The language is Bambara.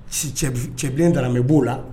Si cɛbilen Daramɛ b'o la